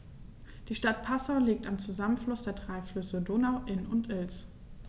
Die Stadt Passau liegt am Zusammenfluss der drei Flüsse Donau, Inn und Ilz.